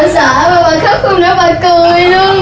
bà sợ bà khóc không đã bà cười luôn rồi